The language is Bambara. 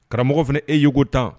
Karamɔgɔ fana e ye ko 10